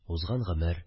Узган гомер